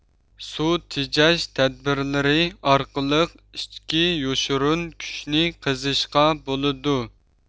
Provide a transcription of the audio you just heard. سۇ تېجەش تەدبىرلىرى ئارقىلىق ئىچكى يوشۇرۇن كۈچنى قېزىشقا بولىدۇ